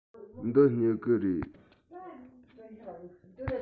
འདི སྨྱུ གུ རེད